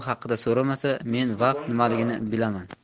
haqda so'ramasa men vaqt nimaligini bilaman